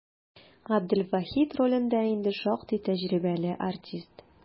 Габделвахит ролендә инде шактый тәҗрибәле артист.